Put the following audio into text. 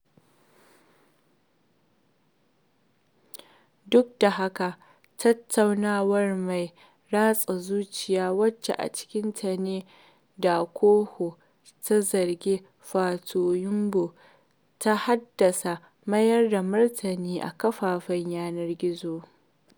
Duk da haka, tattaunawar mai ratsa zuciya wacce a cikinta ne Dakolo ta zargi Fatoyinbo ta haddasa mayar da martani a kafafen yanar gizo.